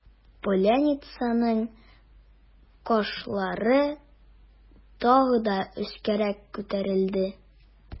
Поляницаның кашлары тагы да өскәрәк күтәрелде.